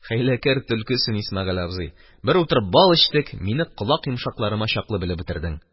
Хәйләкәр төлке син, Исмәгыйль абзый, бер утырып бал эчтек, мине колак йомшакларыма чаклы белеп бетердең.